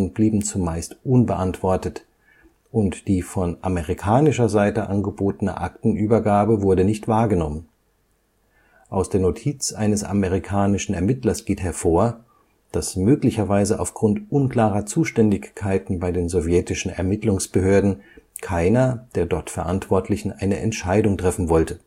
blieben zumeist unbeantwortet, und die von amerikanischer Seite angebotene Aktenübergabe wurde nicht wahrgenommen. Aus der Notiz eines amerikanischen Ermittlers geht hervor, dass möglicherweise aufgrund unklarer Zuständigkeiten bei den sowjetischen Ermittlungsbehörden keiner der dort Verantwortlichen eine Entscheidung treffen wollte